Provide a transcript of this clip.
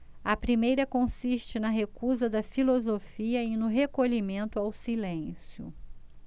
a primeira consiste na recusa da filosofia e no recolhimento ao silêncio